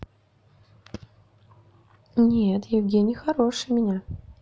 нет евгений хороший меня